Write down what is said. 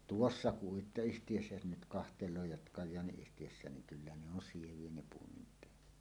tuossa uittoyhtiössä jos nyt katselee ja Kajaani-yhtiössä niin kyllä ne on sieviä ne puomin päät